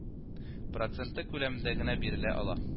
Проценты күләмендә генә бирелә ала